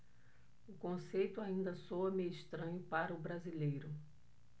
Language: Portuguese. o conceito ainda soa meio estranho para o brasileiro